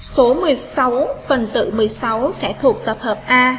số phần tử phải thuộc tập hợp a